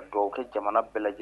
Dɔw kɛ jamana bɛɛ lajɛlen